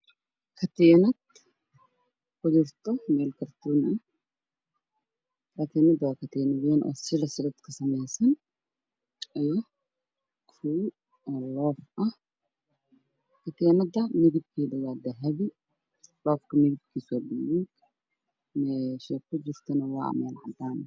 Waxaa i muuqda catiin dahab ah oo ku jiro bac iyo kartoon cad